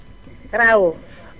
Travo